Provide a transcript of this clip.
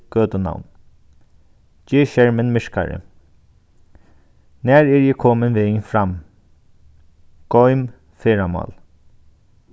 gøtunavn ger skermin myrkari nær eri eg komin vegin fram goym ferðamál